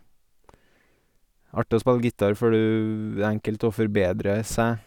Artig å spille gitar for du enkelt å forbedre seg.